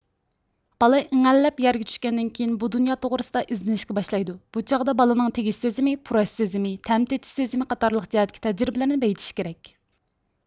بالا ئىڭەللەپ يەرگە چۈشكەندىن كېيىن بۇ دۇنيا توغرىسىدا ئىزدىنىشكە باشلايدۇ بۇ چاغدا بالىنىڭ تېگىش سېزىمى پۇراش سېزىمى تەم تېتىش سېزىمى قاتارلىق جەھەتتىكى تەجرىبىلىرىنى بېيىتىش كېرەك